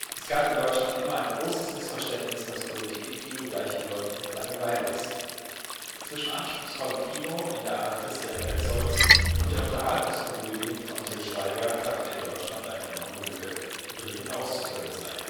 Es gab in Deutschland immer ein großes Missverständnis, dass Politik im Kino gleichbedeutend mit Langeweile ist. “Zwischen anspruchsvollem Kino in der Art Christian Petzolds und Unterhaltungskomödien von Til Schweiger klaffe in Deutschland eine enorme Lücke, die dringend auszufüllen sei